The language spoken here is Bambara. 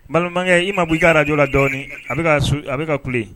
Balimakɛ i ma b bɔ i' ara jɔ la dɔɔnin a bɛ a bɛ ka kule